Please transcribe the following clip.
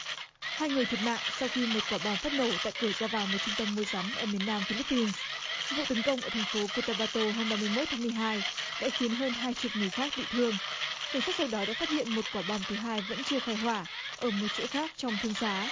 hai người thiệt mạng sau khi một quả bom phát nổ tại cửa ra vào một trung tâm mua sắm ở miền nam phi líp pin vụ tấn công ở thành phố cua ta ba tô hôm ba mươi mốt tháng mười hai đã khiến hơn hai chục người khác bị thương cảnh sát sau đó đã phát hiện một quả bom thứ hai vẫn chưa khai hỏa ở một chỗ khác trong thương xá